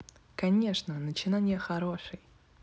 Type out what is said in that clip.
конечно начинания хороший